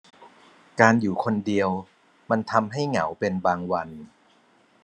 การอยู่คนเดียวมันทำให้เหงาเป็นบางวัน